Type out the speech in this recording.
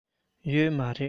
ཡོད མ རེད